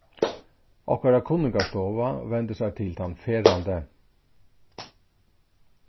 okkara kunningarstova vendir sær til tann ferðandi